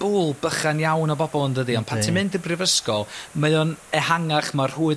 bwl bychan iawn o bobol dydi ond pan ti'n mynd i'r brifysgol mae o'n ehangach ma'r rhwyd